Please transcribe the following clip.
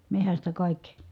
metsästä kaikki